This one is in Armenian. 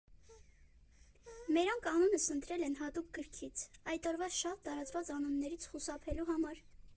Մերոնք անունս ընտրել են հատուկ գրքից, այդ օրվա շատ տարածված անուններից խուսափելու համար։